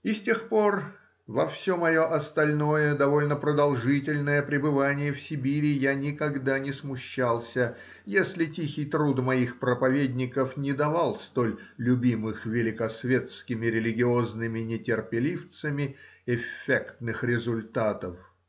И с тех пор во все мое остальное, довольно продолжительное пребывание в Сибири я никогда не смущался, если тихий труд моих проповедников не давал столь любимых великосветскими религиозными нетерпеливцами эффектных результатов.